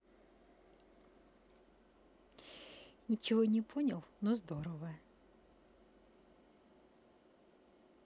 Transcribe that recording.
ничего не понял но здорово